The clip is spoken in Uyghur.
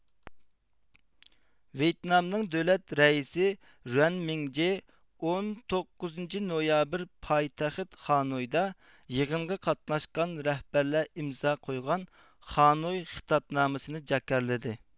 ۋيېتنامنىڭ دۆلەت رەئىسى رۇەنمىڭجې ئون توققۇزىنچى نويابىر پايتەخت خانويدا يىغىنغا قاتناشقان رەھبەرلەر ئىمزا قويغان خانوي خىتابنامىسىنى جاكارلىدى